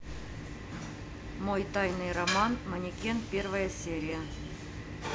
мой тайный роман манекен первая серия